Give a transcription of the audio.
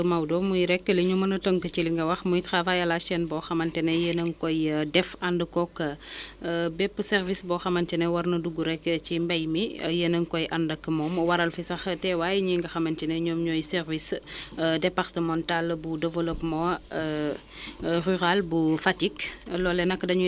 ndax tey amul ay ay risques yoo xamante ne béykat yi war nañu ko mën a xam wala sax ñu sóoraale ko ci nawet bii Maodo nag mu ngi rek di tagg nawet bi naan dina naat ak yooyu ak yooyu waaye nag ça n' exclut pas le doute quand même ñu jéem a rek bàyyiloo xel ñi nga xamante ni ñooy béykat bi ci ci yenn risques yi